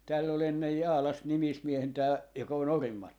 täällä oli ennen Jaalassa nimismiehenä tämä joka on Orimattilassa